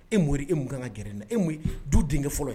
E m e mun kan ka gɛrɛ na e ye du denkɛ fɔlɔ ye